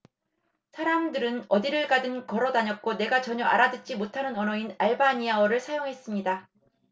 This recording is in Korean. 사람들은 어디를 가든 걸어 다녔고 내가 전혀 알아듣지 못하는 언어인 알바니아어를 사용했습니다